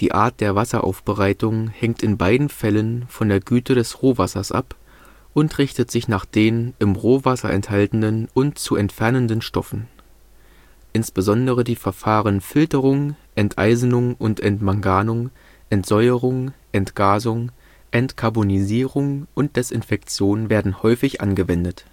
Art der Wasseraufbereitung hängt in beiden Fällen von der Güte des Rohwassers ab und richtet sich nach den, im Rohwasser enthaltenen und zu entfernenden Stoffen. Insbesondere die Verfahren Filterung, Enteisenung und Entmanganung, Entsäuerung, Entgasung, Entcarbonisierung und Desinfektion werden häufig angewendet